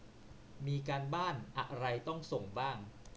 มีการบ้านอะไรต้องส่งบ้าง